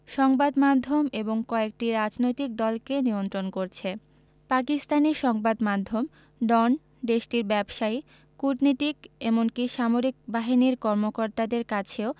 সংবাদ মাধ্যম এবং কয়েকটি রাজনৈতিক দলকে নিয়ন্ত্রণ করছে পাকিস্তানি সংবাদ মাধ্যম ডন দেশটির ব্যবসায়ী কূটনীতিক এমনকি সামরিক বাহিনীর কর্মকর্তাদের কাছেও